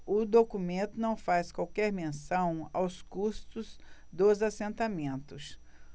o documento não faz qualquer menção aos custos dos assentamentos